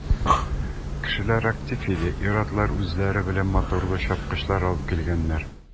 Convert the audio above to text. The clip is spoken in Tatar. Кешеләр актив иде, ир-атлар үзләре белән моторлы чапкычлар алыпн килгәннәр.